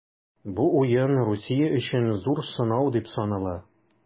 Бу уен Русия өчен зур сынау дип санала.